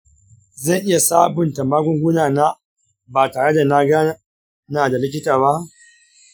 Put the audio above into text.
zan iya sabunta magunguna na ba tare da na gana da likita ba?